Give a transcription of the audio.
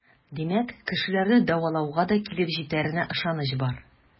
Димәк, кешеләрне дәвалауга да килеп җитәренә ышаныч бар.